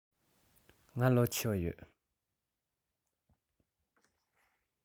ང ལོ ཆེ བ ཡོད ཀྱི རེད